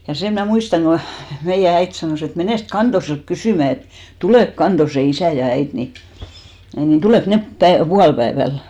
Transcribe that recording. ja sen minä muistan kun meidän äiti sanoi että menes Kantoselta kysymään että tuleeko Kantosen isä ja äiti niin niin tuleeko ne - puolipäivällä